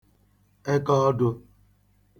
ekọọdụ̄